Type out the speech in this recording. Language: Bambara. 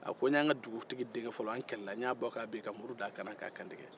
a ko n y'an ka dugutigi denkɛfɔlɔ an kɛlɛ la n y'a bɔ ka bin ka muru da a kannan ka kantigɛ